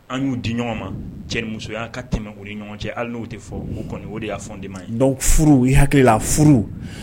An y'u di ɲɔgɔn ma cɛmusoya ka tɛmɛ o ni ɲɔgɔn cɛ hali n'o tɛ fɔ o kɔni o de y'a fɔ te ma dɔw furu hakilila furu